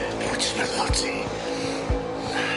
Pwy ti meddwl w't ti?